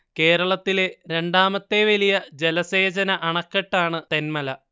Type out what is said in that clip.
കേരളത്തിലെ രണ്ടാമത്തെ വലിയ ജലസേചന അണക്കെട്ടാണ് തെന്മല